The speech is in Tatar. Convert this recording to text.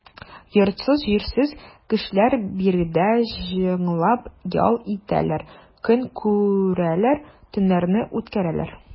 Йортсыз-җирсез кешеләр биредә җыйналып ял итәләр, көн күрәләр, төннәрен үткәрәләр.